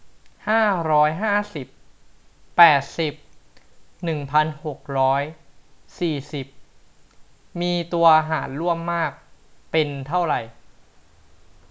ห้าร้อยห้าสิบแปดสิบหนึ่งพันหกร้อยสี่สิบมีตัวหารร่วมมากเป็นเท่าไหร่